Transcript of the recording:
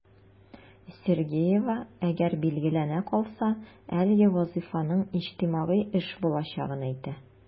Сергеева, әгәр билгеләнә калса, әлеге вазыйфаның иҗтимагый эш булачагын әйтә.